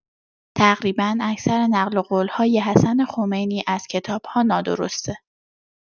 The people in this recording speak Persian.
تقریبا اکثر نقل قول‌های حسن خمینی از کتاب‌ها نادرسته.